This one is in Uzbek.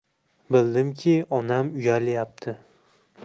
bildimki onam uyalyapti